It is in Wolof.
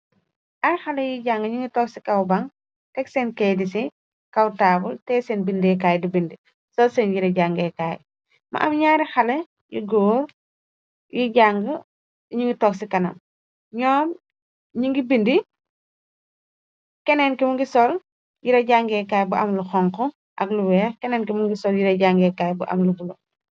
Ay xale yi jang ñingi togci kaw baŋ teg seen key di ci kawtaawal te ye seen bindeekaay di bindi sol seen yira jangeekaay ma am ñaari xale yi góor yi jang ñingi tog ci kanam ñoom ñi ngi bindi keneen ki mu ngi sol yira jangeekaay bu am lu xonk ak lu weex keneenki mu ngi sol yira jangeekaay bu am lu bulo.